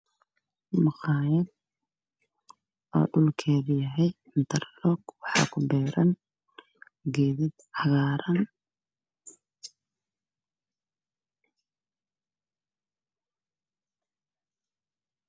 Waa maqaajad oo dhulkeda yahay intara look